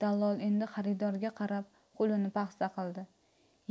dallol endi xaridorga qarab qo'lini paxsa qildi